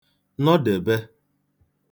nọdèbe